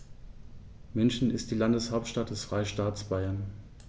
München ist die Landeshauptstadt des Freistaates Bayern.